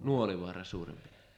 Nuolivaara suurin piirtein